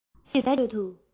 དྲག ཆར གྱི ཁྲོད དུ